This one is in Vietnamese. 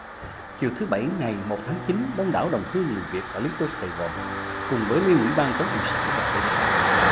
chiều thứ bảy ngày một tháng chín đông đảo đồng hương người việt ở lý tô sài gòn cùng với liên ủy ban chống cộng sản và tay sai